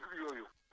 voilà mu ngoog